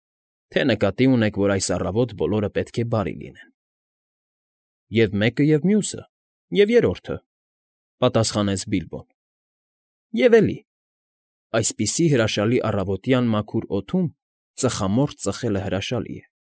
Թե՞ նկատի ունեք, որ այս առավոտ բոլորը պետք է բարի լինեն։ ֊ Ե՛վ մեկը, և՛ մյուսը, և՛ երրորդը, ֊ պատասխանեց Բիլբոն։ ֊ Եվ էլի՝ այսպիսի հրաշալի առավոտյան մաքուր օդում ծխամորճ ծխելը հաճելի է։